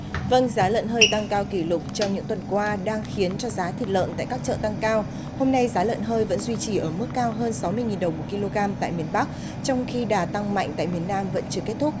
vâng giá lợn hơi tăng cao kỷ lục trong những tuần qua đang khiến cho giá thịt lợn tại các chợ tăng cao hôm nay giá lợn hơi vẫn duy trì ở mức cao hơn sáu mươi nghìn đồng một ki lô gam tại miền bắc trong khi đà tăng mạnh tại miền nam vẫn chưa kết thúc